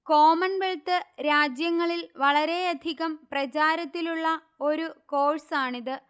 Commonwealth രാജ്യങ്ങളിൽ വളരെയധികം പ്രചാരത്തിലുള്ള ഒരു കോഴ്സാണിത്